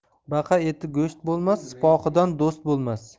baqa eti go'sht bo'lmas sipohidan do'st bo'lmas